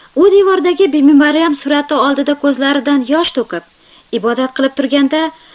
u devordagi bibi maryam surati olidida ko'zlaridan yosh to'kib ibodat qilib turganda